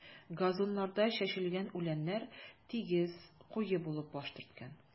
Газоннарда чәчелгән үләннәр тигез, куе булып баш төрткән.